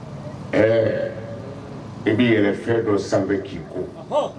I bɛ'i yɛrɛ fɛn dɔ san k'i ko